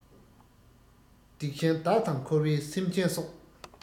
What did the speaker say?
སྡིག ཆེན བདག དང འཁོར བའི སེམས ཅན སོགས